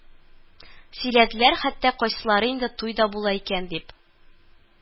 Сөйләделәр хәтта кайсылары Инде туй да була икән, дип